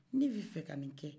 ne b'a fɛ ka nin kɛ